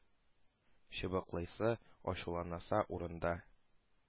Чыбыклыйсы, ачуланасы урында,